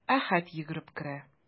Әхәт йөгереп керә.